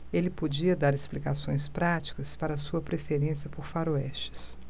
ele podia dar explicações práticas para sua preferência por faroestes